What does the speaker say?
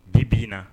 Bi bi in na